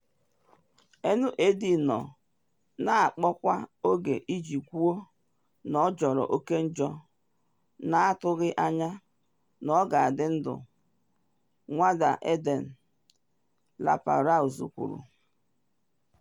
“Nad nọ na akpọ kwa oge iji kwuo na ọ jọrọ oke njọ, na atụghị anya na ọ ga-adị ndụ,” Nwada Ednan-Laperouse kwuru.